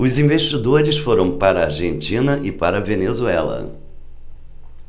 os investidores foram para a argentina e para a venezuela